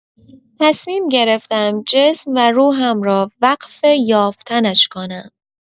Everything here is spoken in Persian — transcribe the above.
تصمیم گرفتم چسم و روحم را وقف یافتن‌اش کنم.